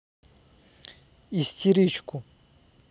истеричку